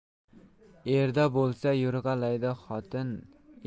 erda bo'lsa yo'rg'alaydi xotin